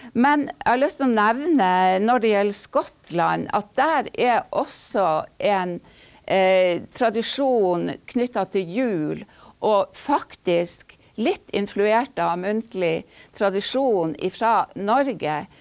men jeg har lyst å nevne når det gjelder Skottland at der er også en tradisjon knytta til jul og faktisk litt influert av muntlig tradisjon ifra Norge.